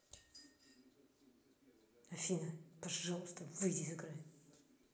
афина пожалуйста выйди из игры